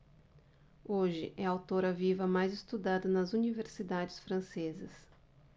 hoje é a autora viva mais estudada nas universidades francesas